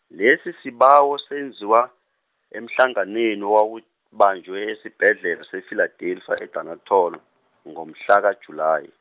lesisibawo senziwa, emhlanganweni owawubanjwe esibhedlela se- Philadelphia e- Dennilton, ngomhlaka-Julayi.